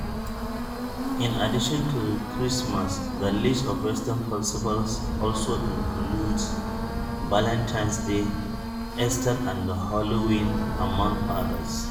In addition to Christmas, the list of Western festivals also includes Valentine’s Day, Easter and Halloween, among others.